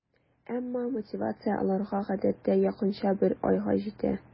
Әмма мотивация аларга гадәттә якынча бер айга җитә.